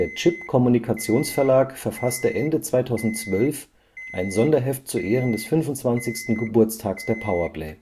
Chip-Communications-Verlag verfasste Ende 2012 ein Sonderheft zu Ehren des 25. Geburtstags der Power Play